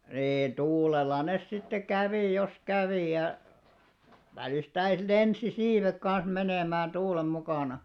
niin tuulella ne sitten kävi jos kävi ja välistä lensi siivet kanssa menemään tuulen mukana